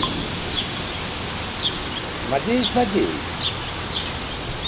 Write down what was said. надеюсь надеюсь